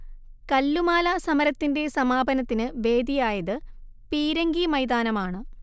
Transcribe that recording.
കല്ലുമാല സമരത്തിന്റെ സമാപനത്തിന് വേദിയായത് പീരങ്കി മൈതാനമാണ്